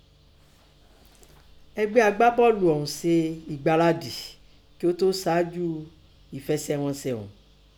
Ẹgbẹ́ àgbábọ́ọ̀lù ọ̀ún ùn se ẹ̀gbáradì kí ó tó ṣíájú ẹ̀fẹsẹ̀ghọnsẹ ọ̀ún.